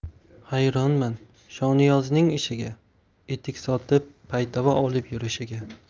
hayronman shoniyozning ishiga etik sotib paytava olib yurishiga